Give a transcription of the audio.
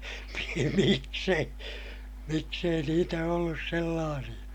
- miksi ei miksi ei niitä ollut sellaisia